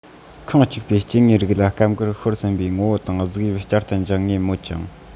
ཁོངས གཅིག པའི སྐྱེ དངོས རིགས ལ སྐབས འགར ཤོར ཟིན པའི ངོ བོ དང གཟུགས དབྱིབས བསྐྱར དུ འབྱུང ངེས མོད ཀྱང